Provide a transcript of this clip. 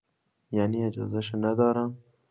یعنی اجازه‌ش رو ندارم.